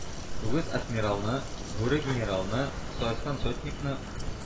Үгез адмиралны, бүре генералны, саескан сотникны,